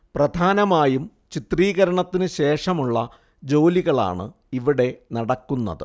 പ്രധാനമായും ചിത്രീകരണത്തിന് ശേഷമുള്ള ജോലികളാണ് ഇവിടെ നടക്കുന്നത്